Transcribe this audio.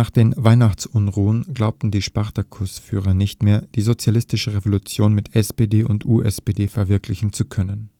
den Weihnachtsunruhen glaubten die Spartakusführer nicht mehr, die sozialistische Revolution mit SPD und USPD verwirklichen zu können